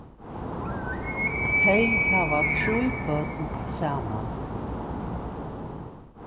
tey hava trý børn saman